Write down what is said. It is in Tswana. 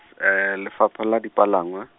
Lefapha la Dipalangwa.